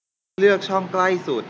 เลือกช่องใกล้สุด